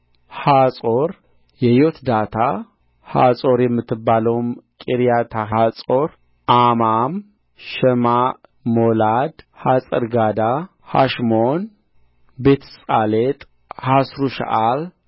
ሐጾርሐዳታ ሐጾር የምትባለውም ቂርያትሐጾር አማም ሽማዕ ሞላዳ ሓጸርጋዳ ሐሽሞን ቤትጳሌጥ ሐጸርሹዓል